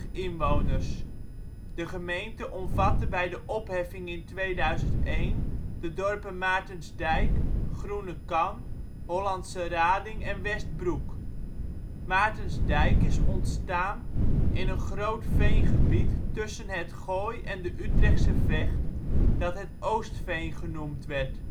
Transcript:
inwoners (2004). De gemeente omvatte bij de opheffing in 2001 de dorpen Maartensdijk, Groenekan, Hollandsche Rading en Westbroek. Maartensdijk is ontstaan in een groot veengebied tussen het Gooi en de Utrechtse Vecht, dat het " Oostveen " genoemd werd